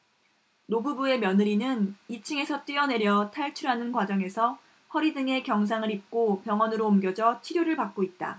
노부부의 며느리는 이 층에서 뛰어내려 탈출하는 과정에서 허리 등에 경상을 입고 병원으로 옮겨져 치료를 받고 있다